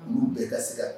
N olu'u bɛɛ kasira